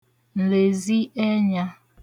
lezi ẹnyā